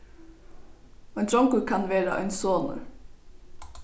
ein drongur kann vera ein sonur